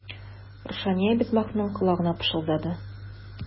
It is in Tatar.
Рушания Мисбахның колагына пышылдады.